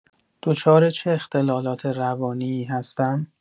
دچار چه اختلالات روانی‌ای هستم؟